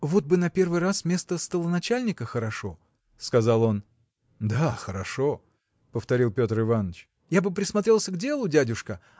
– Вот бы на первый раз место столоначальника хорошо, – сказал он. – Да, хорошо! – повторил Петр Иваныч. – Я бы присмотрелся к делу дядюшка